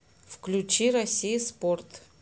включи россия спорт